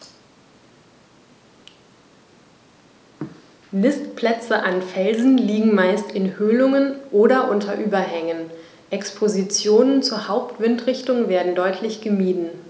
Nistplätze an Felsen liegen meist in Höhlungen oder unter Überhängen, Expositionen zur Hauptwindrichtung werden deutlich gemieden.